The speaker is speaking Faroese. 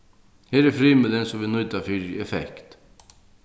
her er frymilin sum vit nýta fyri effekt